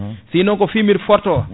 sinno ko fumerie forte o